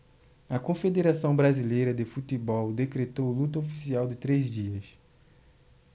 a confederação brasileira de futebol decretou luto oficial de três dias